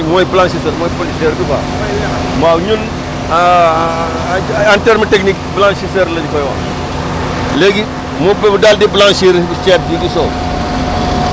waaw mooy mooy blanchisseur bi mooy fournisseur bi quoi waaw ñun en terme technique blanchisseur lañ koy wax léegi mu daal di blanchir ceeb bi gisoo